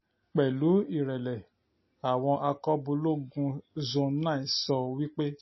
Pẹ̀lú ìrẹ̀lẹ̀, àwọn akọbúlọ́ọ̀gù Zone9 sọ wípé: